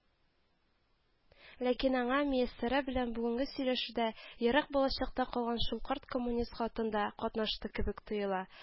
Ләкин аңа Мияссәрә белән бүгенге сөйләшүдә ерак балачакта калган шул карт коммунист хатын да катнашты кебек тоела